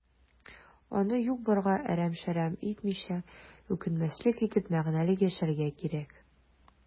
Аны юк-барга әрәм-шәрәм итмичә, үкенмәслек итеп, мәгънәле яшәргә кирәк.